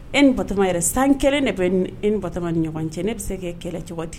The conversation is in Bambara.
E ni Batɔgɔma yɛrɛ san 1 de bɛ e ni batɔgɔma ni ɲɔgɔn cɛ, ne bɛ se k'e kɛlɛ cogo di?